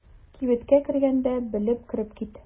Кибеткә кергәндә белеп кереп кит.